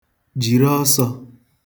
jìri ọsọ̄